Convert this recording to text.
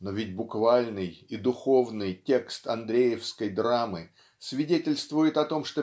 Но ведь буквальный и духовный текст андреевской драмы свидетельствует о том